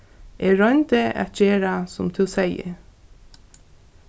eg royndi at gera sum tú segði